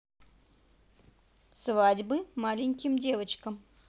свадьбы маленьким девочкам